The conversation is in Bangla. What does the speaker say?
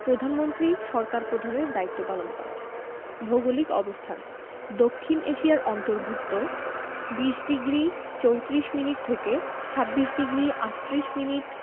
প্রধানমন্ত্রী সরকার প্রধানের দায়িত্ব পালন করেন ভৌগোলিক অবস্থানঃ দক্ষিণ এশিয়ার অন্তর্ভুক্ত ২০ডিগ্রি ৩৪ মিনিট থেকে ২৬ ডিগ্রি ৩৮ মিনিট